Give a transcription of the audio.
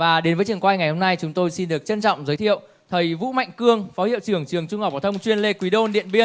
và đến với trường quay ngày hôm nay chúng tôi xin được trân trọng giới thiệu thầy vũ mạnh cương phó hiệu trưởng trường trung học phổ thông chuyên lê quý đôn điện biên